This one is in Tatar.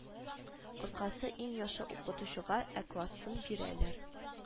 Кыскасы иң яхшы укытучыга а классын бирәләр